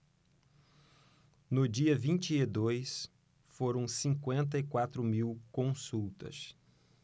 no dia vinte e dois foram cinquenta e quatro mil consultas